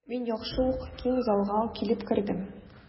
Мин яхшы ук киң залга килеп кердем.